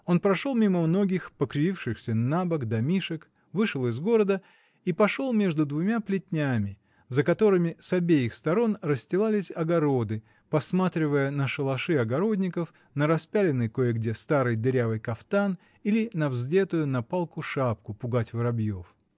Он прошел мимо многих покривившихся набок домишек, вышел из города и пошел между двумя плетнями, за которыми с обеих сторон расстилались огороды, посматривая на шалаши огородников, на распяленный кое-где старый, дырявый кафтан или на вздетую на палку шапку — пугать воробьев.